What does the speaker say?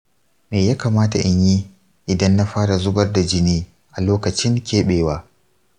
me ya kamata in yi idan na fara zubar da jini a lokacin keɓewa?